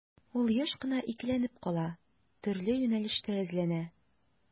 Ул еш кына икеләнеп кала, төрле юнәлештә эзләнә.